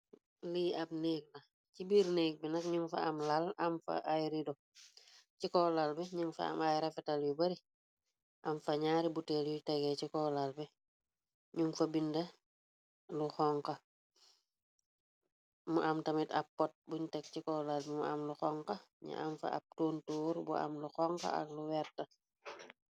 Lii ab neeg la ci biir neeg bi nax ñum fa am lal amfa a rido ci koolaal bi ñin fa am ay rafetal yu bari am fa ñaari butel yuy tegee ci koolaal bi ñum fa bind lu xonka mu am tamit ab pot buñ teg ci koolal bi mu am lu xonka ñi am fa ab tontoor bu am lu xonka ak lu werta.